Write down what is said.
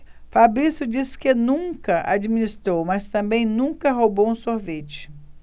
fabrício disse que nunca administrou mas também nunca roubou um sorvete